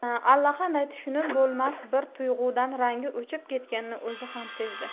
allaqanday tushunib bo'lmas bir tuyg'udan rangi o'chib ketganini o'zi ham sezdi